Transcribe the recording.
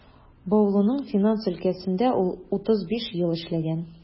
Баулының финанс өлкәсендә ул 35 ел эшләгән.